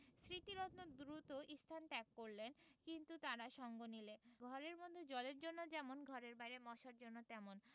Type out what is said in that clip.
স্মৃতিরত্ন দ্রুত স্থান ত্যাগ করলেন কিন্তু তারা সঙ্গ নিলে ঘরের মধ্যে জলের জন্য যেমন ঘরের বাইরে মশার জন্য তেমন